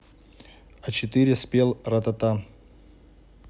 а четыре спел ратата